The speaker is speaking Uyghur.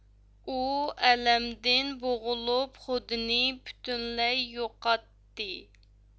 ئۇ ئەلەمدىن بوغۇلۇپ خۇدىنى پۈتۈنلەي يوقاتتى